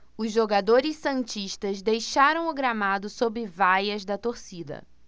os jogadores santistas deixaram o gramado sob vaias da torcida